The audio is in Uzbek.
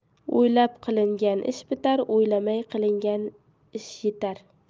o'ylab qilingan ish bitar o'ylamay qilingan ish yitar